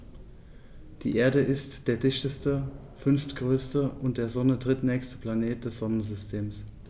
Die Erde ist der dichteste, fünftgrößte und der Sonne drittnächste Planet des Sonnensystems.